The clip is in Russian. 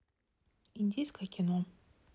индийское кино